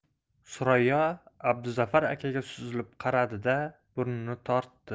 surayyo abzuzafar akaga suzilib qaradi da burnini tortdi